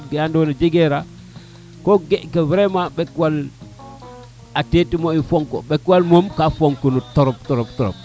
te andona jege ra ko ga vraiment ɓekwan a te ten moƴu fook ɓekwan moom ka fok in trop trop